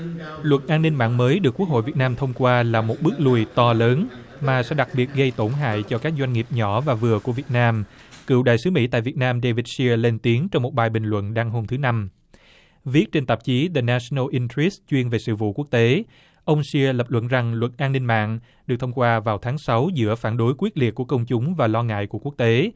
luật an ninh mạng mới được quốc hội việt nam thông qua là một bước lùi to lớn mà sẽ đặc biệt gây tổn hại cho các doanh nghiệp nhỏ và vừa của việt nam cựu đại sứ mỹ tại việt nam đe vít chia lên tiếng trong một bài bình luận đăng hôm thứ năm viết trên tạp chí giờ ne xừn nồ in trít chuyên về sự vụ quốc tế ông xia lập luận rằng luật an ninh mạng được thông qua vào tháng sáu giữa phản đối quyết liệt của công chúng và lo ngại của quốc tế